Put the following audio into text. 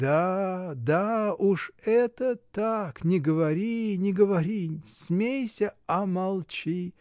Да, да, уж это так, не говори, не говори, смейся, а молчи!